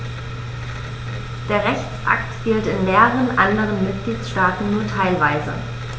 Der Rechtsakt gilt in mehreren anderen Mitgliedstaaten nur teilweise.